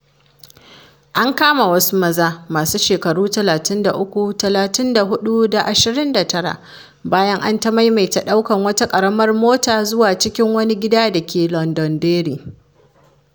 An kama wasu maza, masu shekaru 33, 34 da 29, bayan an ta maimaita ɗaukan wata ƙaramar mota zuwa cikin wani gida da ke Londonderry.